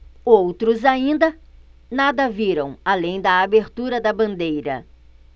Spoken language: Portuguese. outros ainda nada viram além da abertura da bandeira